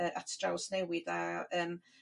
yrr at drawsnewid a yrm